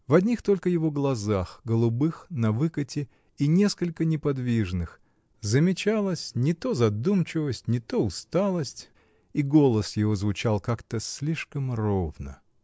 В одних только его глазах, голубых, навыкате и несколько неподвижных, замечалась не то задумчивость, не то усталость, и голос его звучал как-то слишком ровно.